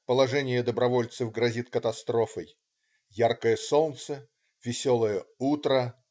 Положение добровольцев грозит катастрофой. Яркое солнце. Веселое утро.